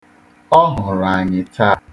Ọ hụrụ anyị taa.